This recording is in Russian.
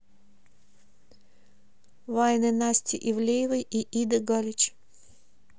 вайны насти ивлеевой и иды галич